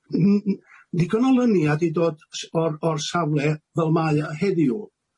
M- m- m-... digon o lynia 'di dod s- o'r o'r safle fel mae o heddiw,